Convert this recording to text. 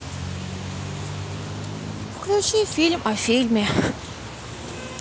включи фильм о фильме